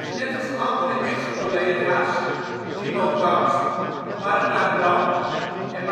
net als andere ex-collega 's (Timo Kamst, Mark Labrand en